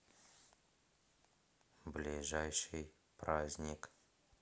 ближайший праздник